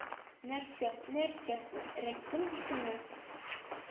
— нәрсә-нәрсә? рәсем дисеңме?